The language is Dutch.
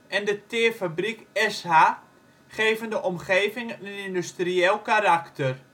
en de teerfabriek Esha, geven de omgeving een industrieel karakter